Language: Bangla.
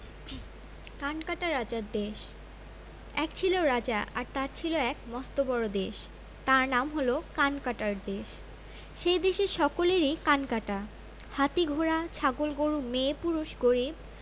কানকাটা রাজার দেশ এক ছিল রাজা আর তার ছিল এক মস্ত বড়ো দেশ তার নাম হল কানকাটার দেশ সেই দেশের সকলেরই কান কাটা হাতি ঘোড়া ছাগল গরু মেয়ে পুরুষ গরিব